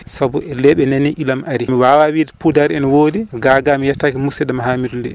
saabu elle ɗe nani ilam ari mi wawa wide poudare gaga mi yettaki musidɗam Hamidou Ly